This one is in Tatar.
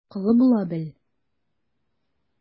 Акыллы була бел.